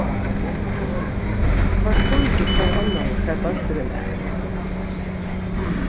teir spurdu hvønn annan hvar bólturin var